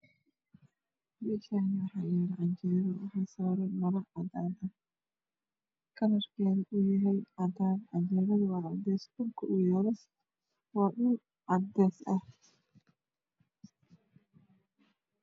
Meshani waxa yalo cajero waxa saran maro cadan ah kalarkedu yahay cadan cajerad waa cades dhulka oow yaalo waa dhul cades ah